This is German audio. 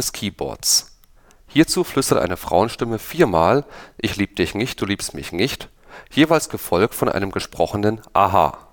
Keyboards. Hierzu flüstert eine Frauenstimme viermal „ Ich lieb dich nicht du liebst mich nicht “– jeweils gefolgt von einem gesprochenen „ Aha